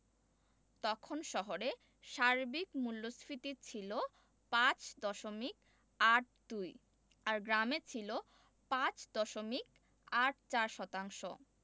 তখন শহরে সার্বিক মূল্যস্ফীতি ছিল ৫ দশমিক ৮২ আর গ্রামে ছিল ৫ দশমিক ৮৪ শতাংশ